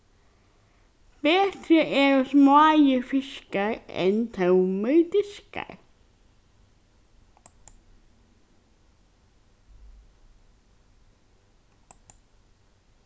betri eru smáir fiskar enn tómir diskar